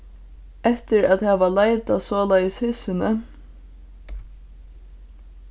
eftir at hava leitað soleiðis hissini